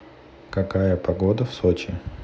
какая погода в сочи